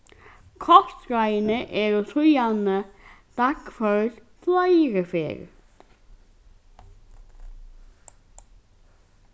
kostráðini eru síðani dagførd fleiri ferðir